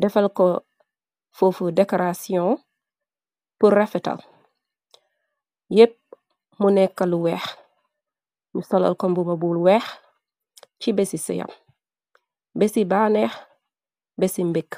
defal ko foofu dekaratiyon purefetal yepp mu nekkalu weex mi solol ko mbuma buul weex ci besi seyam besi baaneex besi mbikk.